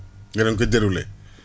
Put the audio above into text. yéen a ngi koy déroulé